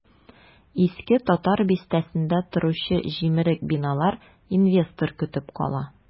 Иске татар бистәсендә торучы җимерек биналар инвестор көтеп кала.